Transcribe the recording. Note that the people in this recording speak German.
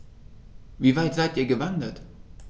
Wie weit seid Ihr gewandert?